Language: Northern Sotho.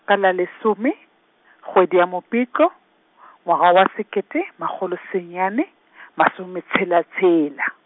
ka la lesome, kgwedi ya Mopitlo, ngwaga wa sekete, magolo senyane masometshela tshela.